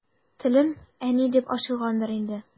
Телем «әни» дип ачылгангадыр инде.